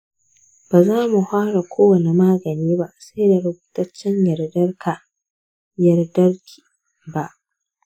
ba za mu fara kowane magani ba sai da rubutaccen yardarka/yardark ba.